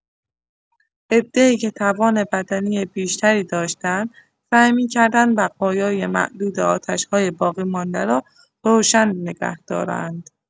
عده‌ای که توان بدنی بیشتری داشتند، سعی می‌کردند بقایای معدود آتش‌های باقی‌مانده را روشن نگه دارند.